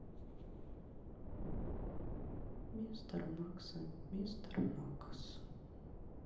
мистер макса мистер макс